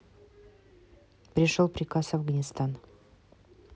пришел приказ афганистан